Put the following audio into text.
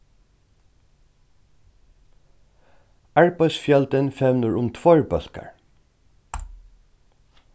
arbeiðsfjøldin fevnir um tveir bólkar